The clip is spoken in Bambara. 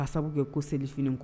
Ka sabu kɛ ko seli fini